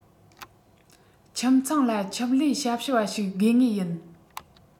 ཁྱིམ ཚང ལ ཁྱིམ ལས ཞབས ཞུ བ ཞིག དགོས ངེས ཡིན